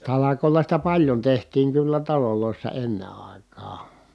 talkoilla sitä paljon tehtiin kyllä taloissa ennen aikaan